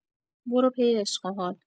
برو پی عشق و حال